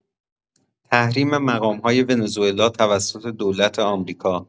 تحریم مقام‌های ونزوئلا توسط دولت آمریکا